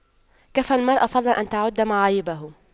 كفى المرء فضلا أن تُعَدَّ معايبه